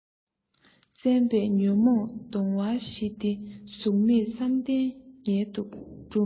བཙུན པས ཉོན མོངས གདུང བ ཞི སྟེ གཟུགས མེད བསམ གཏན མངལ དུ སྦྲུམ